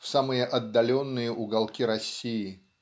в самые отдаленные уголки России.